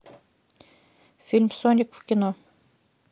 фильм соник в кино